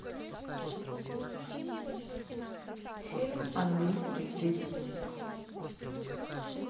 фильм английский цирюльник